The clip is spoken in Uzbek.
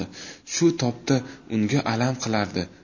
shu topda unga alam qilardi